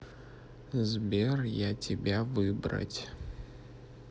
сбер я тебя выбрать